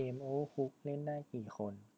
เกมโอเวอร์คุกเล่นได้กี่คน